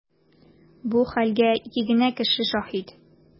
Бу хәлгә ике генә кеше шаһит.